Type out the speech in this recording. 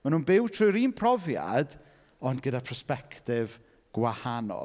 Maen nhw'n byw trwy'r un profiad ond gyda persbectif gwahanol.